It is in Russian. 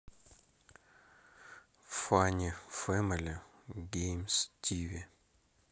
фани фэмили геймс тиви